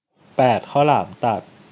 แปดข้าวหลามตัด